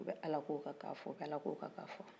u bɛ ala ko kan kafɔ u bɛ ala ko kan kafɔ